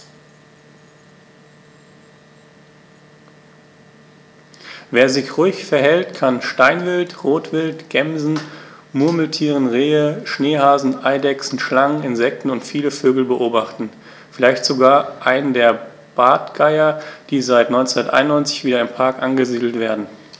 Wer sich ruhig verhält, kann Steinwild, Rotwild, Gämsen, Murmeltiere, Rehe, Schneehasen, Eidechsen, Schlangen, Insekten und viele Vögel beobachten, vielleicht sogar einen der Bartgeier, die seit 1991 wieder im Park angesiedelt werden.